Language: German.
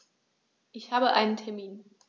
Ich habe einen Termin.